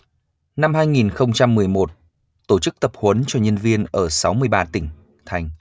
năm hai nghìn không trăm mười một tổ chức tập huấn cho nhân viên ở sáu mươi ba tỉnh thành